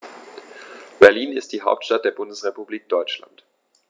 Berlin ist die Hauptstadt der Bundesrepublik Deutschland.